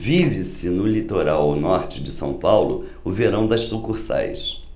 vive-se no litoral norte de são paulo o verão das sucursais